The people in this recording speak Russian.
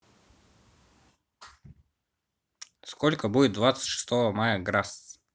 сколько будет двадцать шестого мая грасс